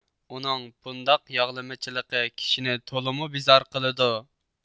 ئۇنىڭ بۇنداق ياغلىمىچىلىقى كىشىنى تولىمۇ بىزار قىلىدۇ